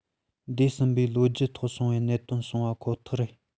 འདས ཟིན པའི ལོ རྒྱུས ཐོག བྱུང བའི གནད དོན བྱུང བ ཁོ ཐག ཡིན